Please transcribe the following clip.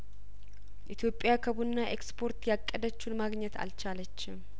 ኢትዮጵያ ከቡና ኤክስፖርት ያቀደችውን ማግኘት አልቻለችም